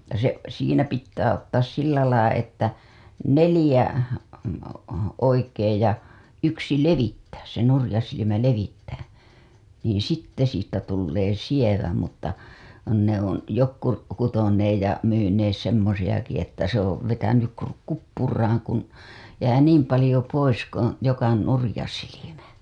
ja se siinä pitää ottaa sillä lailla että neljä oikein ja ja yksi levittää se nurja silmä levittää niin sitten siitä tulee sievä mutta ne on jotkut kutoneet ja myyneet semmoisiakin että se on vetänyt - kuppuraan kun jää niin paljon pois kun joku nurja silmä